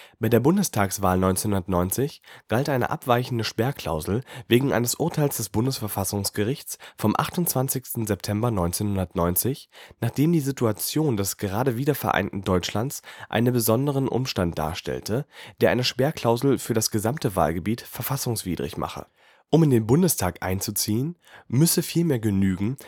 Bei der Bundestagswahl 1990 galt eine abweichende Sperrklausel wegen eines Urteils des Bundesverfassungsgerichts vom 28. September 1990, nach dem die Situation des gerade wiedervereinten Deutschlands einen besonderen Umstand darstelle, der eine Sperrklausel für das gesamte Wahlgebiet verfassungswidrig mache. Um in den Bundestag einzuziehen, müsse vielmehr genügen